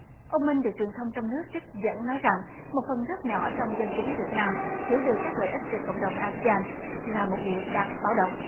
ông minh được truyền thông trong nước trích dẫn nói rằng một phần rất nhỏ trong dân chúng việt nam hiểu được các lợi ích từ cộng đồng a sê an là một điều đáng báo động